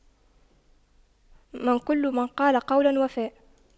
ما كل من قال قولا وفى